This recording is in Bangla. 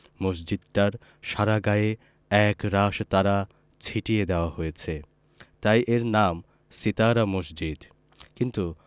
মসজিদটার সারা গায়ে একরাশ তারা ছিটিয়ে দেয়া হয়েছে তাই এর নাম সিতারা মসজিদ কিন্তু